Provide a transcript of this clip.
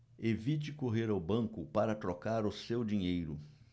evite correr ao banco para trocar o seu dinheiro